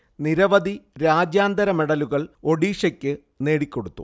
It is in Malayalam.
നിരവധി രാജ്യാന്തര മെഡലുകൾ ഒഡീഷയ്ക്ക് നേടിക്കൊടുത്തു